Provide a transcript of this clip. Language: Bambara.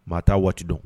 Mɔgɔ t' waati dɔn